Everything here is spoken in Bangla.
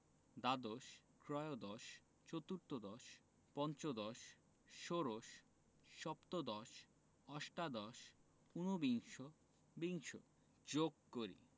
দ্বাদশ ত্ৰয়োদশ চতুর্দশ পঞ্চদশ ষোড়শ সপ্তদশ অষ্টাদশ উনুবিংশ বিংশ যোগ করি